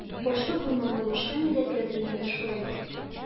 Башкорт булмаган башка милләтләр белән дә шулайдыр.